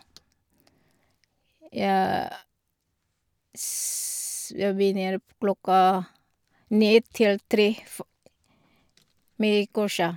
jeg s Jeg begynner p klokka ni til tre fo med kurset.